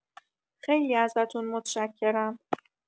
خیلی ازتون متشکرم.